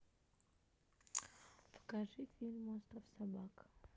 покажи фильм остров собак